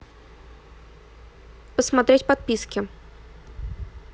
посмотреть подписки